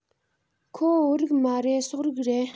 ཁོ བོད རིགས མ རེད སོག རིགས རེད